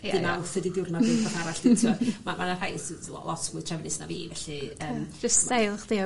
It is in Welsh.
Ia. Dy' Mawrth ydi diwrnod neud peth arall gynta. Ma' ma' 'na rhai sydd t'mo' lot mwyn trefnus na fi felly yym... Jys steil chdi o...